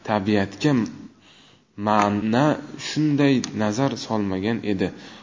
tabiatga mana shunday nazar solmagan edi